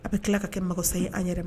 A bɛ tila ka kɛ mɔgɔ sa ye an yɛrɛ ma